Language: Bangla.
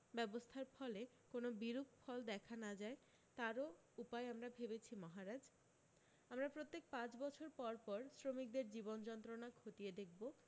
ব্যবস্থার ফলে কোনো বিরূপ ফল দেখা না যায় তারও উপায় আমরা ভেবেছি মহারাজ আমরা প্রত্যেক পাঁচ বছর পর পর শ্রমিকদের জীবন যন্ত্রণা খতিয়ে দেখব